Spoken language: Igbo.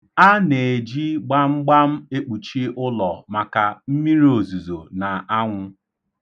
A na-eji gbamgbam ekpuchi ụlọ maka mmiri ozuzo na anwụ.